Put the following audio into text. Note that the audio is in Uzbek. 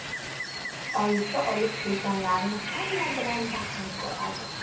oyisi olib kelganlarni hamma bilan baham ko'radi